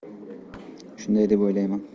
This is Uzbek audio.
shunday deb o'ylayman